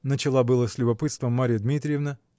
-- начала было с любопытством Марья Дмитриевна.